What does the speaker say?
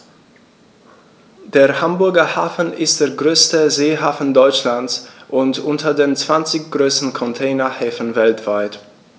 Der Hamburger Hafen ist der größte Seehafen Deutschlands und unter den zwanzig größten Containerhäfen weltweit.